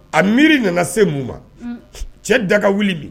A miiri nana se mun ma cɛ daga wuli bi